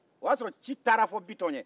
o y'a sɔrɔ ci taara fɔ biton ye